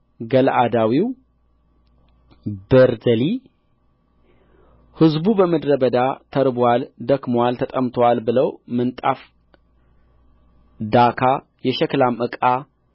ገለዓዳዊ ቤርዜሊ ሕዝቡ በምድረ በዳ ተርቦአል ደክሞአል ተጠምቶአል ብለው ምንጣፍ ዳካ የሸክላም ዕቃ